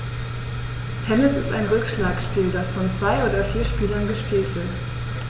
Tennis ist ein Rückschlagspiel, das von zwei oder vier Spielern gespielt wird.